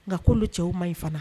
Nka'olu cɛw ma in fana